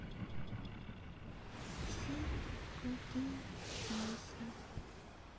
все крутые песни